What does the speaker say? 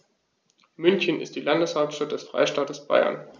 München ist die Landeshauptstadt des Freistaates Bayern.